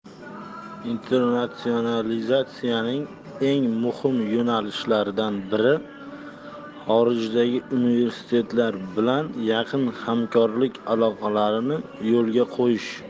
internatsionalizatsiyaning eng muhim yo'nalishlaridan biri xorijdagi universitetlar bilan yaqin hamkorlik aloqalarini yo'lga qo'yish